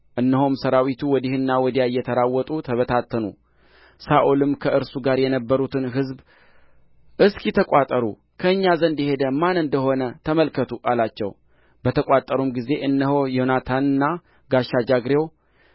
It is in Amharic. እነሆም ሠራዊቱ ወዲህና ወዲያ እየተራወጡ ተበታተኑ ሳኦልም ከእርሱ ጋር የነበሩትን ሕዝብ እስኪ ተቋጠሩ ከእኛ ዘንድ የሄደ ማን እንደሆነ ተመልከቱ አላቸው በተቋጠሩም ጊዜ እነሆ ዮናታንና ጋሻ ጃግሬው